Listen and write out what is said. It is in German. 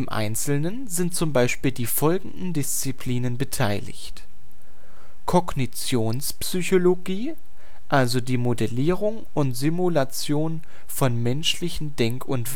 Einzelnen sind zum Beispiel die folgenden Disziplinen beteiligt: Kognitionspsychologie (Modellierung und Simulation von menschlichen Denk - und